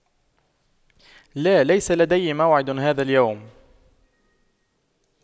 لا ليس لدي موعد هذا اليوم